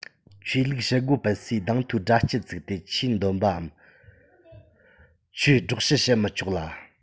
ཆོས ལུགས བྱེད སྒོ སྤེལ སས གདངས མཐོའི སྒྲ སྐྱེད བཙུགས ཏེ ཆོས འདོན པའམ ཆོས སྒྲོག བཤད བྱེད མི ཆོག ལ